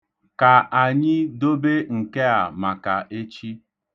Ka anyị dobe nke a maka echi.